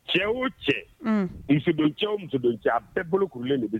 Cɛ o cɛ muso cɛ o muso cɛ bɛɛ bolo de